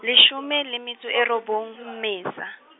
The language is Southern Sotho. leshome le metso e robong Mmesa.